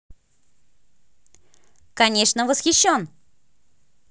конечно восхищен